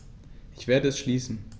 Ich werde es schließen.